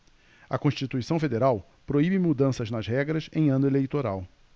a constituição federal proíbe mudanças nas regras em ano eleitoral